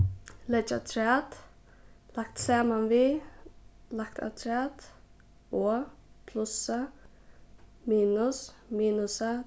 leggja afturat lagt saman við lagt afturat og plussa minus minusa